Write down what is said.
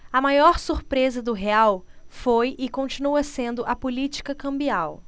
a maior surpresa do real foi e continua sendo a política cambial